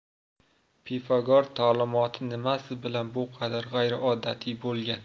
pifagor ta'limoti nimasi bilan bu qadar g'ayriodatiy bo'lgan